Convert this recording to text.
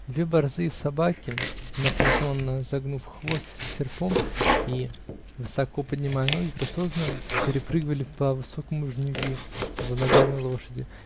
Две борзые собаки, напряженно загнув хвост серпом и высоко поднимая ноги, грациозно перепрыгивали по высокому жнивью, за ногами лошади